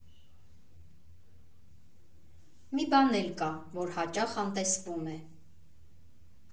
Մի բան էլ կա, որ հաճախ անտեսվում է.